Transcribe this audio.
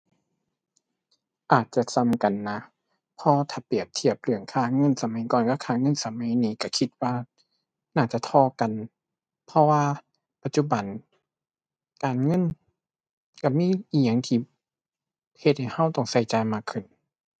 อาจจะส่ำกันนะ เพราะถ้าเปรียบเทียบเรื่องค่าเงินสมัยก่อนกับค่าเงินสมัยนี้ก็คิดว่าน่าจะเท่ากัน เพราะว่าปัจจุบันการเงินก็มีอิหยังที่เฮ็ดให้ก็ต้องก็จ่ายมากขึ้น